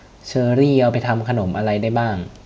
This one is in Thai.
เชอร์รี่เอาไปทำขนมอะไรได้บ้าง